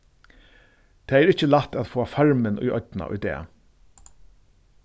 tað er ikki lætt at fáa farmin í oynna í dag